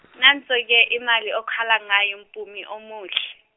nanso ke imali okhala ngayo Mpumi omuhle.